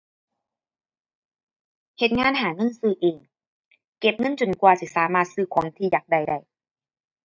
เฮ็ดงานหาเงินซื้อเอง เก็บเงินจนกว่าสิสามารถซื้อของที่อยากได้ได้